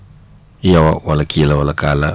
yow a wala kii la wala kaa la